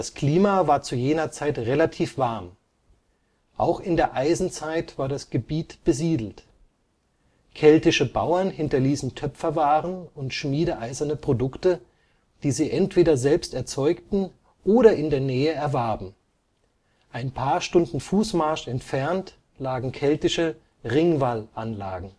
Klima war zu jener Zeit relativ warm. Auch in der Eisenzeit war das Gebiet besiedelt. Keltische Bauern hinterließen Töpferwaren und schmiedeeiserne Produkte, die sie entweder selbst erzeugten oder in der Nähe erwarben. Ein paar Stunden Fußmarsch entfernt lagen keltische Ringwallanlagen